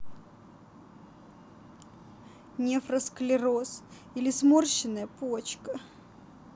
нефросклероз или сморщенная почка